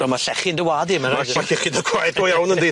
Wel ma' llechi yn dy wa'd di ma'n raid... Ma' llechi'n y gwaed go iawn yndi?